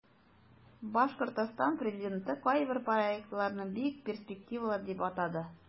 Башкортстан президенты кайбер проектларны бик перспективалы дип атады.